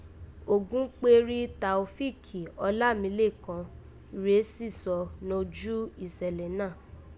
Ògúnkperí Tàòfíkì Ọlálékan rèé sísọ nojú ìsẹ̀lẹ̀ naa